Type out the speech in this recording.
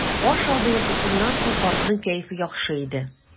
Аш алды йокысыннан соң картның кәефе яхшы иде.